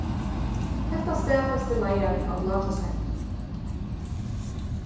hetta staðfestir leiðarin á blákrossheiminum